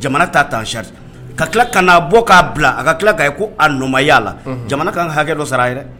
jamana ta tan sariyari ka tila ka'a bɔ k'a bila a ka tila ka ko amaya la jamana ka ka hakɛ dɔ sara a dɛ